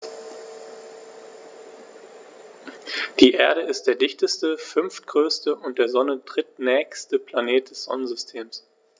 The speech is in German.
Die Erde ist der dichteste, fünftgrößte und der Sonne drittnächste Planet des Sonnensystems.